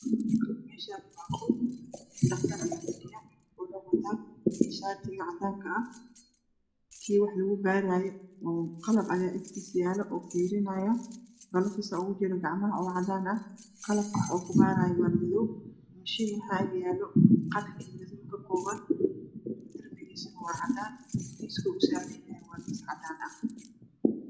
Meeshaan waa qol dhaqtar ayaa fadhiyo waxuu wataa shaati cadaan ah kii wax lugu baarayo qalab ayaa agtiisa yaalo oo fiirinayo galoofis ayaa ugu jiro gacmaha oo cadaan ah qalabka wax lugu baarayo waa madow mashiin waxaa agyaalo qalin iyo madow ka kooban yahay darbiga waa cadaan miiskana waa cadaan.